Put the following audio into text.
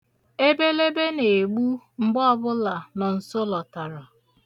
Ebelebe na-egbu mgbe ọbụla Nọnso lọtara.